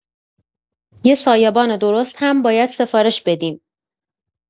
یه سایه‌بان درست هم باید سفارش بدیم.